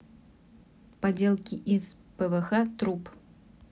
поделки из пвх труб